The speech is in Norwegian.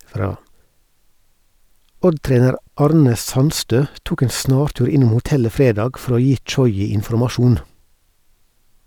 Odd-trener Arne Sandstø tok en snartur innom hotellet fredag for å gi Tchoyi informasjon.